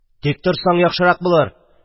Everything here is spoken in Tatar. – тик торсаң яхшырак булыр!..